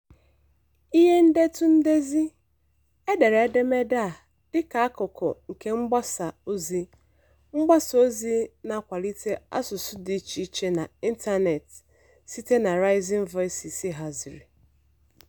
Ihe ndetu ndezi: Edere edemede a dị ka akụkụ nke mgbasa ozi mgbasa ozi na-akwalite asụsụ dị iche iche n'ịntanetị site na Rising Voices haziri.